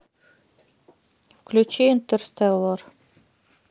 включи интерстеллар